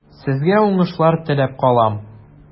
Сезгә уңышлар теләп калам.